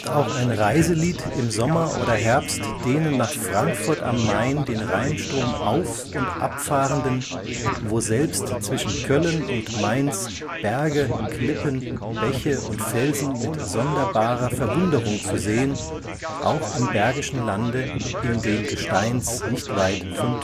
auch ein Reise-Lied im Sommer oder Herbst denen nach Franckfurt am Mayn den Reinstrohm auff und abfahrenden, woselbst zwischen Cöllen und Maintz Berge, Klippen, Bäche und Felsen mit sonderbahrer Verwunderung zu sehen; auch im Bergischen Lande in dem Gesteins nicht weit von